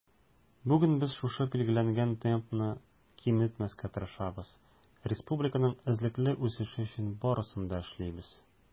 Бүген без шушы билгеләнгән темпны киметмәскә тырышабыз, республиканың эзлекле үсеше өчен барысын да эшлибез.